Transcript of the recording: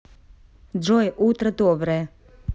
джой утро доброе